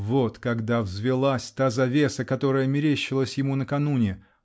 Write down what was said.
Вот когда взвилась та завеса, которая мерещилась ему накануне!